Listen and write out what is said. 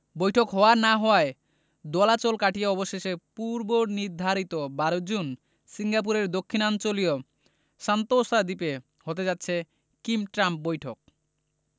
বৈঠক হওয়া না হওয়ার দোলাচল কাটিয়ে অবশেষে পূর্বনির্ধারিত ১২ জুন সিঙ্গাপুরের দক্ষিণাঞ্চলীয় সান্তোসা দ্বীপে হতে যাচ্ছে কিম ট্রাম্প বৈঠক